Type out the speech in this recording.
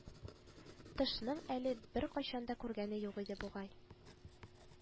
Тышның әле беркайчан да күргәне юк иде бугай